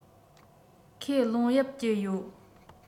ཁོས རླུང གཡབ གྱི ཡོད